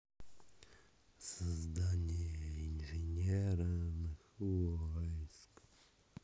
создание инженерных войск